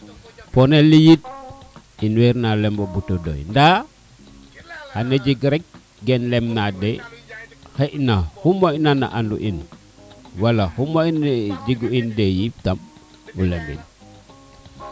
ponele yit in weer na lembo bata doy nda xana jeg rek gen lem na doy xe na xu moƴ na xana in wala xu moƴ na jega in deyit kam o lembin